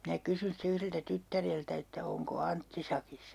minä kysyin sitten yhdeltä tyttäreltä että onko Antti sakissa